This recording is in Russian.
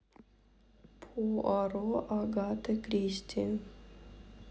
пуаро агаты кристи